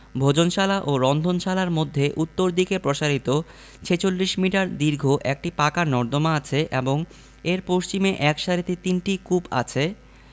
ভোজনশালা ও রন্ধনশালার মধ্যে উত্তরদিকে প্রসারিত ৪৬ মিটার দীর্ঘ একটি পাকা নর্দমা আছে এবং এর পশ্চিমে এক সারিতে তিনটি কূপ আছে